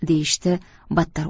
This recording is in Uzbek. deyishdi battar